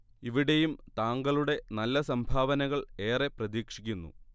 ഇവിടെയും താങ്കളുടെ നല്ല സംഭാവനകൾ ഏറെ പ്രതീക്ഷിക്കുന്നു